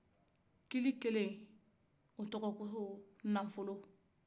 kili kelen o tɔgɔ ye ko nafɔlɔ